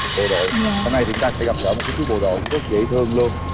bộ đội hôm nay chúng ta sẽ gặp gỡ một cái chú bộ đội cũng rất dễ thương luôn